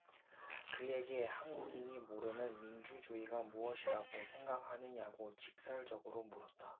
그에게 한국인이 모르는 민주주의가 무엇이라고 생각하느냐고 직설적으로 물었다